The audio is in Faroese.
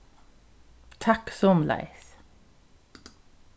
takk somuleiðis